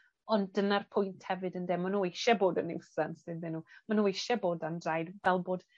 Ond dyna'r pwynt hefyd ynde? Ma' nw eisie bod yn niwsans on'd 'yn nw? Ma' nw eisie bod dan draed, fel bod